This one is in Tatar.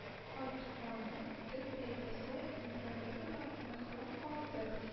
Кайтганың төп бәйгесе – евролигадан мәхрүм калдык